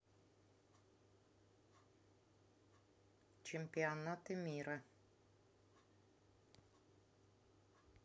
чемпионаты мира